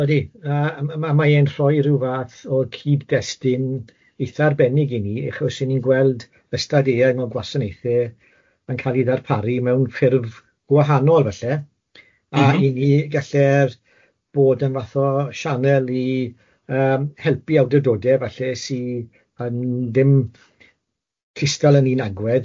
Odi yy a ma mae e'n rhoi ryw fath o cyd-destun eitha arbennig i ni achos y'n ni'n gweld ystad eang o gwasanaethe yn cael eu ddarparu mewn ffurf gwahanol falle... M-hm. ...a ry'n ni galler bod yn fath o sianel i yym helpu awdurdode falle sy yn dim clystel yn un agwedd,